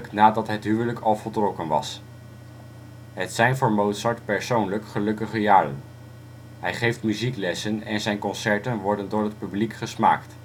nadat het huwelijk al voltrokken was. Het zijn voor Mozart persoonlijk gelukkige jaren: hij geeft muzieklessen en zijn concerten worden door het publiek gesmaakt